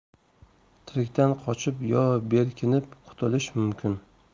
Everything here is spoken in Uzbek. tirikdan qochib yo berkinib qutulish mumkin